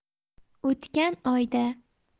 o'tkan oyda